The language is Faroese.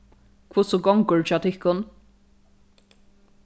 hvussu gongur hjá tykkum